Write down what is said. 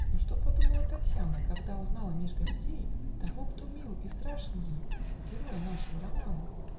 Но что подумала Татьяна, Когда узнала меж гостей Того, кто мил и страшен ей, Героя нашего романа!